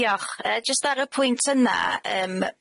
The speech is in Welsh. Diolch yy jyst ar y pwynt yna yym.